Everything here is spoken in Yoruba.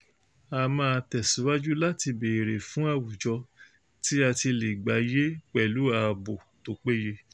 A máa tẹ̀síwajú láti béèrè fún àwùjọ tí a ti lè gbáyé pẹ̀lú ààbò tó péye.